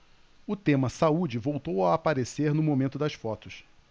o tema saúde voltou a aparecer no momento das fotos